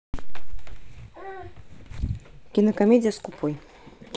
кинокомедия скупой